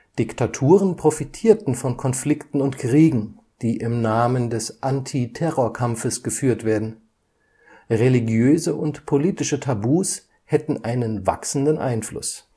Diktaturen profitierten von Konflikten und Kriegen, die im Namen des Anti-Terror-Kampfes geführt werden. Religiöse und politische Tabus hätten einen wachsenden Einfluss